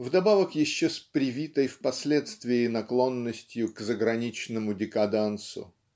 вдобавок еще с привитой впоследствии наклонностью к заграничному декадансу.